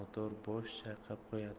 manodor bosh chayqab qo'yadi